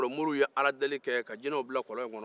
o y'a sɔrɔ moriw ye aladeli kɛ jinɛ bila kɔlɔn in kɔnɔ